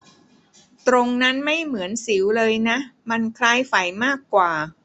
ตรงนั้นไม่เหมือนสิวเลยนะมันคล้ายไฝมากกว่า